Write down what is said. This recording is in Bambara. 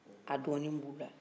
a dɔni b' u la